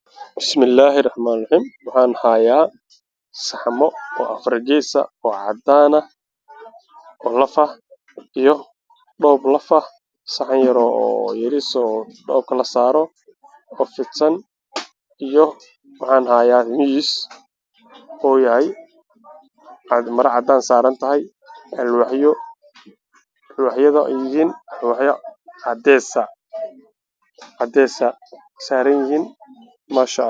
Waa miiska waxaa saaran saxamiin cadaan ah maro cadaan ayaan saaran